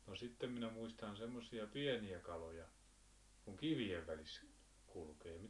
no sitten minä muistan semmoisia pieniä kaloja kun kivien välissä kulkee